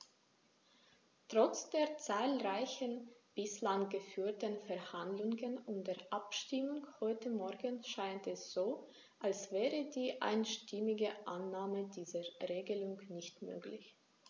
Trotz der zahlreichen bislang geführten Verhandlungen und der Abstimmung heute Morgen scheint es so, als wäre die einstimmige Annahme dieser Regelung nicht möglich.